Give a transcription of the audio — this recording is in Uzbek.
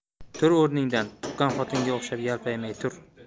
tur o'rningdan tuqqan xotinga o'xshab yalpaymay tur